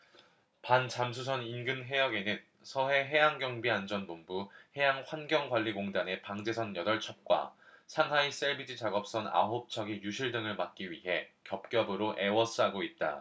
반잠수선 인근해역에는 서해해양경비안전본부 해양환경관리공단의 방제선 여덟 척과 상하이 샐비지 작업선 아홉 척이 유실 등을 막기 위해 겹겹으로 에워싸고 있다